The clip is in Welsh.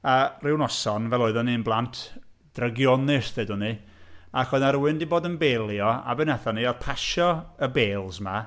A ryw noson, fel oedden ni'n blant drygionus ddeudwn ni, ac oedd 'na rywun 'di bod yn belio. A be wnaethon ni oedd pasio y bêls 'ma.